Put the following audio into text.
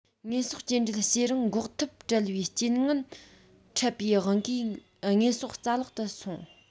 དངོས ཟོག སྐྱེལ འདྲེན བྱེད རིང འགོག ཐབས བྲལ བའི རྐྱེན ངན འཕྲད པའི དབང གིས དངོས ཟོག རྩ བརླག ཏུ སོང